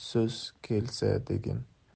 so'z kelsa degin